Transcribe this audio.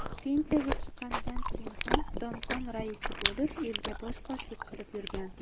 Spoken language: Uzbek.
pensiyaga chiqqanidan keyin ham domkom raisi bo'lib elga bosh qoshlik qilib yurgan